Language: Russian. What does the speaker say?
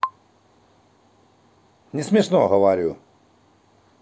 не смешно говорю